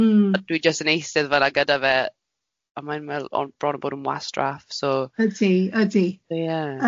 Hmm. Dwi jyst yn eistedd fela gyda fe a mae'n meddwl o'n bron yn bod yn wastraff so. Ydi ydi. Ie. Ydi